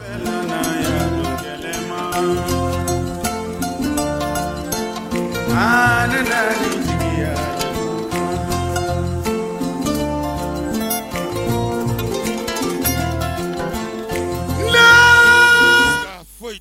Wa tile